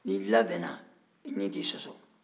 n'i labɛnna i nin t'i sɔsɔ